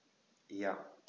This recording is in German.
Ja.